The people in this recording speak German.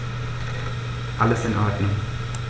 Alles in Ordnung.